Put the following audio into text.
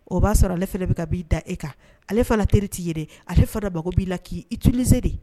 O ba sɔrɔ ale fana be ka min da e kan .Ale fana teri ti ye dɛ. Ale fana mako bi la ki utilise de.